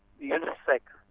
Younouss Seck